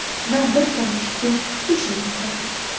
na bir tomchi suv hech nima qolmabdi